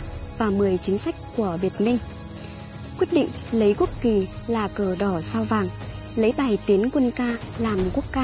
và chinh sách của việt minh quyết định lấy quốc kỳ là cờ đỏ sao vàng lấy bài tiến quân ca làm quốc ca